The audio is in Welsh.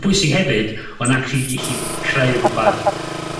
bwysi hefyd, ond actually gellu creu rwbat